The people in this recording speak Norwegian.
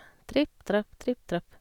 Tripp trapp, tripp trapp.